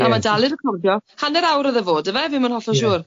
Na ma' dal i recordio, hanner awr o'dd e fod yfe, fi'm yn hollol siŵr.